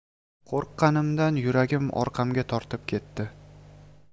qo'rqqanimdan yuragim orqamga tortib ketdi